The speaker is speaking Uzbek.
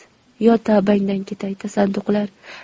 yo tavbangdan ketay tasadduqlar